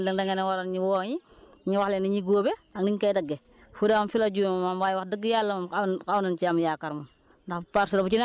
bañ ko waxee mu ne da ngeen a waroon ñu woo ñu ñu wax leen ni ñuy góobee ak niñ koy daggee foofu daal fi la juumee waaye wax dëgg yàlla moom xaw nañ see am yaakaar moom